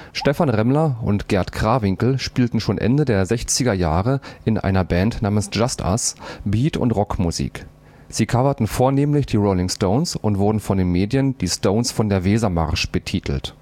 Stephan Remmler und Gert Krawinkel spielten schon Ende der 1960er Jahre in einer Band namens „ Just Us “Beat - und Rockmusik. Sie coverten vornehmlich die Rolling Stones und wurden von den Medien „ Die Stones von der Wesermarsch “betitelt